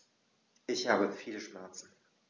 Ich habe viele Schmerzen.